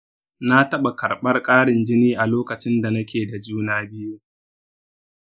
na taɓa karɓar ƙarin jini a lokacin da nake da juna biyu.